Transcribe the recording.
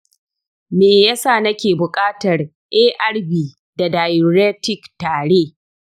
me ya sa nake buƙatar arb da diuretic tare?